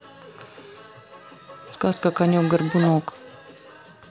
сказка конек горбунок